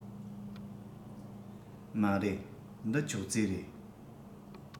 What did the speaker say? མ རེད འདི ཅོག ཙེ རེད